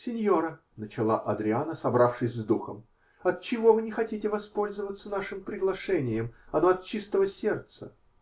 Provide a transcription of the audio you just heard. -- Синьора, -- начала Адриана, собравшись с духом, -- отчего вы не хотите воспользоваться нашим приглашением? Оно от чистого сердца.